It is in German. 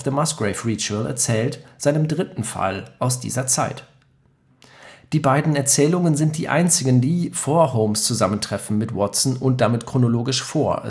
Musgrave Ritual) erzählt, seinem dritten Fall aus dieser Zeit. Die beiden Erzählungen sind die einzigen, die vor Holmes Zusammentreffen mit Watson und damit chronologisch vor